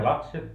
ja lapset